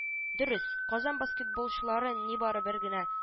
Дөрес, Казан баскетболчылары нибары бер генә